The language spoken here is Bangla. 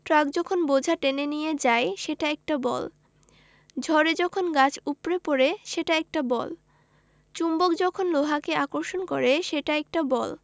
ট্রাক যখন বোঝা টেনে নিয়ে যায় সেটা একটা বল ঝড়ে যখন গাছ উপড়ে পড়ে সেটা একটা বল চুম্বক যখন লোহাকে আকর্ষণ করে সেটা একটা বল